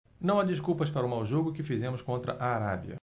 não há desculpas para o mau jogo que fizemos contra a arábia